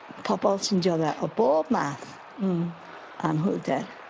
Pobol sy'n diodde o bob math... Hmm. ...anhwylder.